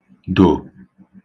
dò